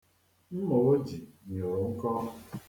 Mma o ji nyụrụ nkọ.